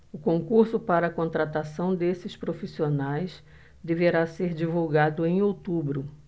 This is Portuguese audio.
o concurso para contratação desses profissionais deverá ser divulgado em outubro